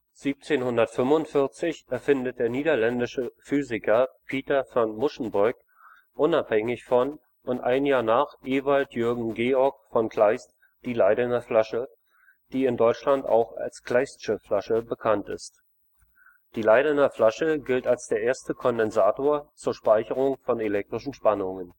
1745 erfindet der niederländische Physiker Pieter van Musschenbroek – unabhängig von, und ein Jahr nach Ewald Jürgen Georg von Kleist – die Leidener Flasche, die in Deutschland auch als „ Kleistsche Flasche “bekannt ist. Die Leidener Flasche gilt als der erste Kondensator zur Speicherung von elektrischen Spannungen